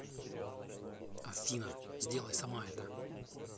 афина сделай сама это